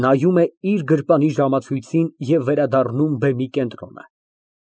Նայում է իր գրպանի ժամացույցին և վերադառնում բեմի կենտրոնը)։